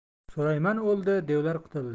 sulaymon o'ldi devlar qutuldi